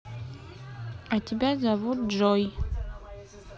а тебя зовут джой